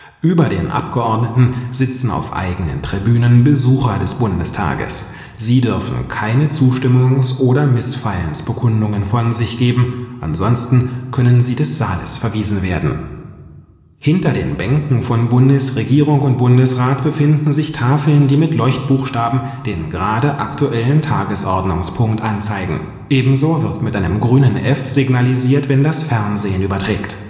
Über den Abgeordneten sitzen auf eigenen Tribünen Besucher des Bundestages. Sie dürfen keine Zustimmungs - oder Missfallensbekundungen von sich geben, ansonsten können sie des Saales verwiesen werden. Hinter den Bänken von Bundesregierung und Bundesrat befinden sich Tafeln, die mit Leuchtbuchstaben den gerade aktuellen Tagesordnungspunkt anzeigen. Ebenso wird mit einem grünen „ F “signalisiert, wenn das Fernsehen überträgt